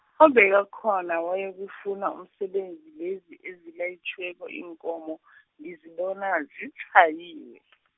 obekakhona wayokufuna umsebenzi lezi ezilayitjhiweko iinkomo, ngizibona, zitshayiwe .